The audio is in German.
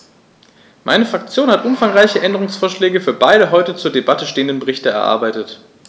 Meine Fraktion hat umfangreiche Änderungsvorschläge für beide heute zur Debatte stehenden Berichte erarbeitet.